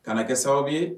Kana kɛ sababu ye